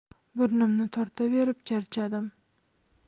burnimni tortaverib charchadim